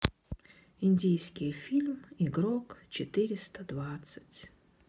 индийский фильм игрок четыреста двадцать